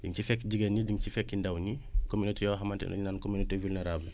di nga ci fekk jigéen ñi di nga ci fekk ndaw ñi communauté yoo xamante dañu naan communauté vulnérable